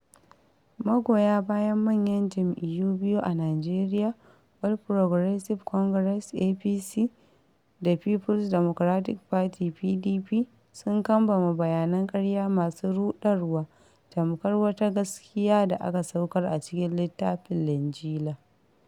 Magoya bayan manyan jam'iyyu biyu a Nijeria: All Progressive Congress (APC) da People's Democratc Party (PDP), sun kambama bayanan ƙarya masu ruɗarwa tamkar wata gaskiya da aka saukar a cikin littafin Linjila.